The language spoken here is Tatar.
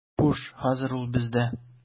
Хуш, хәзер ул бездә.